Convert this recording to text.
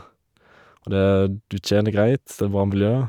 Og det er du tjener greit, det er bra miljø.